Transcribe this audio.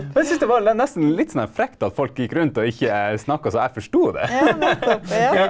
for jeg syns det var nesten litt sånn der frekt at folk gikk rundt å ikke snakka så jeg forsto det ja.